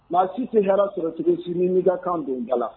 Maa si tɛ hɛrɛ sɔrɔ cogo si ni min i ka kan dɔn i da la